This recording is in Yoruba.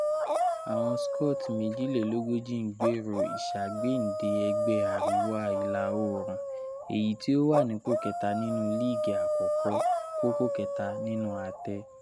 Awọn Scot, 42, n gbero iṣagbende ẹgbẹ Ariwa-Ila oorun, eyi ti o wa nipo kẹta nínú liigi Akọkọ, koko kẹta nínú atẹ.